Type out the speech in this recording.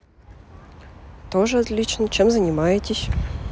тоже отлично чем занимаетесь